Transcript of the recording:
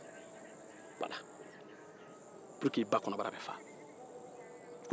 pour que i ba kɔnɔbara bɛ fa